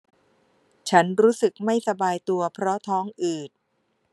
ฉันรู้สึกไม่สบายตัวเพราะท้องอืด